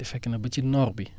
te fekk na ba ci noor bi